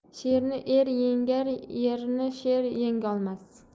sherni er yengar erni sher yengolmas